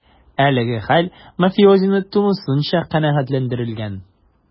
Әлеге хәл мафиозины тулысынча канәгатьләндергән: